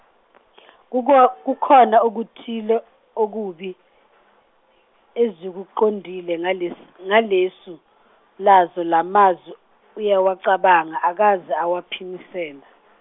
kuko- kukhona okuthile okubi, ezikuqondile ngales- ngalelisu, lazo lamazwi, uyawacabanga akaze awaphimisela.